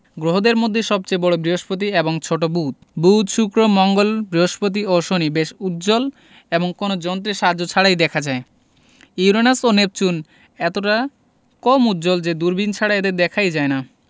গ্রহদের মধ্যে সবচেয়ে বড় বৃহস্পতি এবং ছোট বুধ বুধ শুক্র মঙ্গল বৃহস্পতি ও শনি বেশ উজ্জ্বল এবং কোনো যন্ত্রের সাহায্য ছাড়াই দেখা যায় ইউরেনাস ও নেপচুন এতটা কম উজ্জ্বল যে দূরবীণ ছাড়া এদের দেখাই যায় না